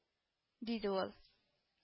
— диде ул